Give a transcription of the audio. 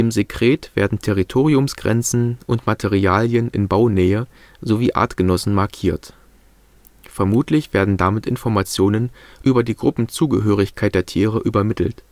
Sekret werden Territoriumsgrenzen und Materialien in Baunähe sowie Artgenossen markiert. Vermutlich werden damit Informationen über die Gruppenzugehörigkeit der Tiere übermittelt